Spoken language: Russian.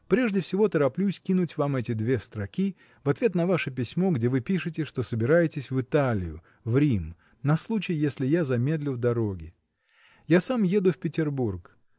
Прежде всего тороплюсь кинуть вам эти две строки в ответ на ваше письмо, где вы пишете, что собираетесь в Италию, в Рим, — на случай, если я замедлю в дороге. Я сам еду в Петербург.